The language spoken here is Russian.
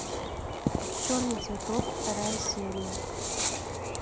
черный цветок вторая серия